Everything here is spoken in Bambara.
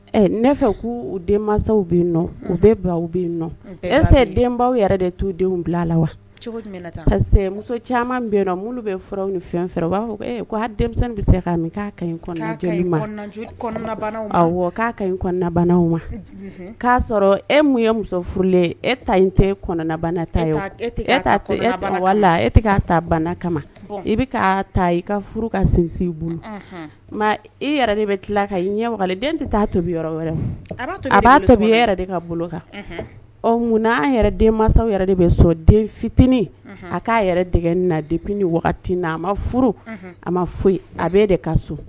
Ne fɛ ko den mansaw bɛ n nɔ u bɛɛ ba bɛ n nɔ ɛse denbaw yɛrɛ de' denw bila a la wa muso caman bɛ minnu bɛ f ni fɛn fɛ o b'a fɔ denmisɛnnin bɛ se k' ka k'a kabanaw ma k'a sɔrɔ e mun ye musof furulen e ta tɛbana ta e e e wala e k'a ta bana kama i bɛ k' ta i ka furu ka sinsin bolo e yɛrɛ de bɛ tila ɲɛ den tɛ taa tobi yɔrɔ wɛrɛ a b'a tobi e yɛrɛ de ka kan ɔ munna an yɛrɛ den mansaw yɛrɛ de bɛ sɔn den fitinin a k'a yɛrɛ dɛgɛ na dep ni wagati na a ma furu a ma foyi a bɛ de ka so